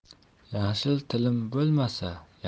yashil tilim bo'lmasa